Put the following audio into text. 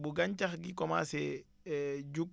bu gàncax gi commencé jug